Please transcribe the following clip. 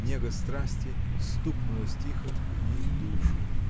Нега страсти стукнулась тихо к ней в душу.